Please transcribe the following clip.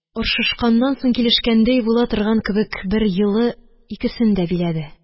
Оршышканнан соң килешкәндәй була торган кебек бер йылы икесен дә биләде.